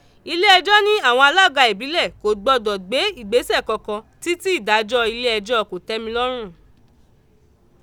Ilé ẹjọ́ ní àwọn alága ìbílẹ̀ kò gbọdọ̀ gbé ìgbésẹ̀ kankan títí ìdájọ́ ilé ẹjọ́ Kòtẹ́milọ́rùn